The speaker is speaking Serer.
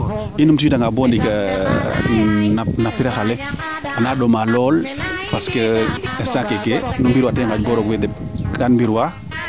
i numtu wiida nga bo ndiik na qira xale ana ɗomaa lool parce que instant keeke i ngirwa tee bo xanj bo roog fe deɓ kan ngirwaa